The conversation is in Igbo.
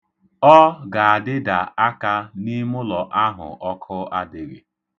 Ọ ga-adịda aka n'imụlọ ahụ ọkụ adịghị.